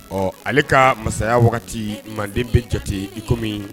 Ɔ ale ka masaya wagati manden bɛ jateti ikomi